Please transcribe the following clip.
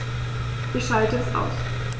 Ich schalte es aus.